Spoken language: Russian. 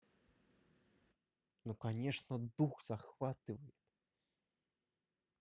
ну конечно дух захвативает